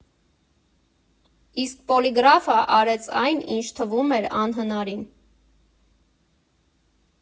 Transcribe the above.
Իսկ Պոլիգրաֆը արեց այն, ինչ թվում էր անհնարին։